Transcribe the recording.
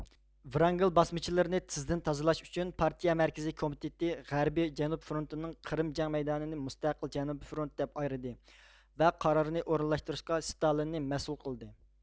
ۋرانگېل باسمىچىلىرىنى تېزدىن تازىلاش ئۈچۈن پارتىيە مەركىزىي كومىتېتى غەربىي جەنۇب فرونتىنىڭ قىرىم جەڭ مەيدانىنى مۇستەقىل جەنۇبىي فرونىت دەپ ئايرىدى ۋە قارارنى ئورۇنلاشتۇرۇشقا ستالىننى مەسئۇل قىلدى